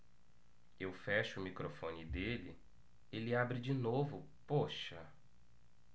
eu fecho o microfone dele ele abre de novo poxa